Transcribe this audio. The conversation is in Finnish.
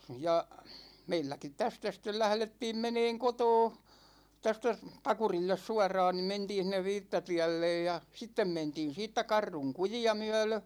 ja meilläkin tästä sitten lähdettiin menemään kotoa tästä - Pakurille suoraan niin mentiin sinne viittatielle ja sitten mentiin siitä Kartun kujia myöden